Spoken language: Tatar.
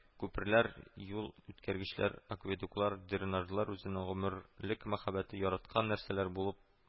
Күперләр, юл үткәргечләр, акведуклар, дренажлар үзенең гомерлек мәхәббәте, яраткан нәрсәләре булып